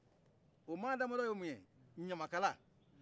o mɔgɔ dama dɔ ye mun ye ɲamakala